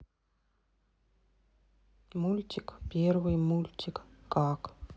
мультик первый мультик как